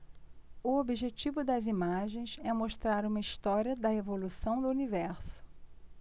o objetivo das imagens é mostrar uma história da evolução do universo